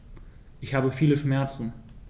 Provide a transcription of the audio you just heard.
Ich habe viele Schmerzen.